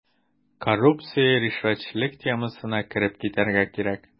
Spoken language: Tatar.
Коррупция, ришвәтчелек темасына кереп китәргә кирәк.